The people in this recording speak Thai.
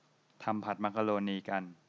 ทำผัดมักโรนีกัน